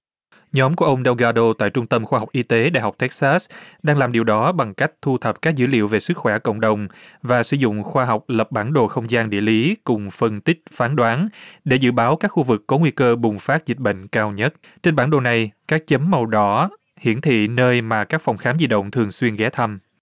nhóm của ông đeo ga đô tại trung tâm khoa học y tế đại học tét xát đang làm điều đó bằng cách thu thập các dữ liệu về sức khỏe cộng đồng và sử dụng khoa học lập bản đồ không gian địa lý cùng phân tích phán đoán để dự báo các khu vực có nguy cơ bùng phát dịch bệnh cao nhất trên bản đồ này các chấm màu đỏ hiển thị nơi mà các phòng khám di động thường xuyên ghé thăm